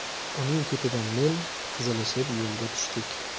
uning ketidan men tizilishib yo'lga tushdik